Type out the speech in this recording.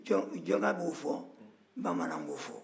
joka b'o fɔ bamanan b'o fɔ